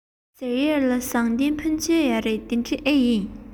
ཟེར ཡས ལ ཟངས གཏེར འཕོན ཆེན ཡོད རེད ཟེར གྱིས དེ འདྲ ཨེ ཡིན